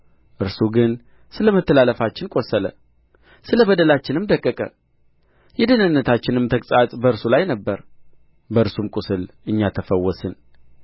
እርሱ ግን ስለ መተላለፋችን ቈሰለ ስለ በደላችንም ደቀቀ የደኅንነታችንም ተግሣጽ በእርሱ ላይ ነበረ በእርሱም ቍስል እኛ ተፈወስን